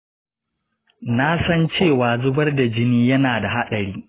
na san cewa zubar jini yana da haɗari.